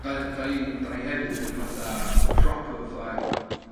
'da- 'dan ni 'dan ni hefyd yn fatha proper fatha